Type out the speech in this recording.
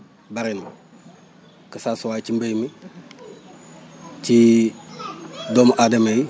bëri na que ça soit ci mbéy mi ci doomu aadama yi